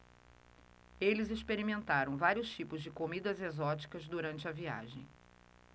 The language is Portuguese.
eles experimentaram vários tipos de comidas exóticas durante a viagem